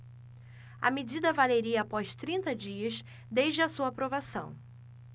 a medida valeria após trinta dias desde a sua aprovação